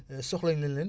soxla nañ leen